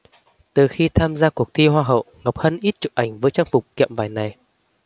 từ khi tham gia cuộc thi hoa hậu ngọc hân ít chụp ảnh với trang phục kiệm vải này